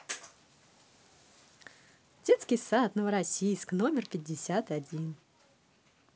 детский сад новороссийск номер пятьдесят один